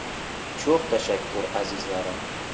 cho'x tashakkur azizlarim